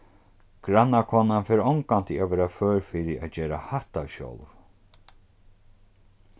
grannakonan fer ongantíð at verða før fyri at gera hatta sjálv